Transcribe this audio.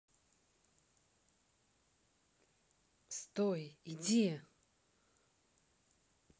стой иди